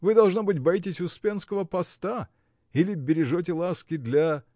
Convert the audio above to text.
Вы, должно быть, боитесь Успенского поста? Или бережете ласки для.